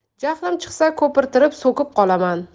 jahlim chiqsa ko'pirtirib so'kib qolaman